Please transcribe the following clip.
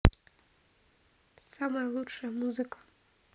самая лучшая музыка